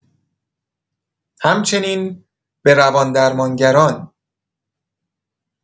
همچنین به روان‌درمانگران